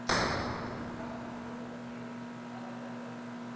как сделать коктейль из апероль